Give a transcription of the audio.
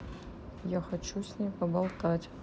я хочу с ней поболтать